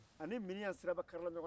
ani miniɲan siraba kari la ɲɔgɔn na